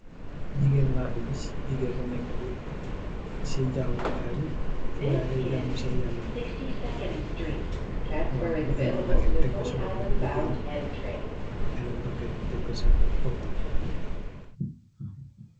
Gigeen la fi ngis, gigeen bu nekka ci jàmóó Kai bi, fu ngayi di jàmóó sèèn Yallah bi, mu ènu lèkket tèg ko ci bópambi.